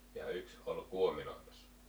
ja yksi oli kuominoimassa